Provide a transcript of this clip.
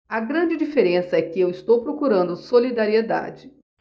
a grande diferença é que eu estou procurando solidariedade